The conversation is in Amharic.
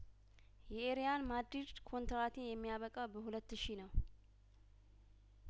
የሪያል ማዲርድ ኮንትራቴ የሚያበቃው በሁለት ሺ ነው